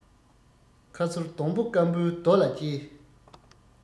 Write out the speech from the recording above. ཁ སུར སྡོང པོ སྐམ པོའི རྡོ ལ སྐྱེས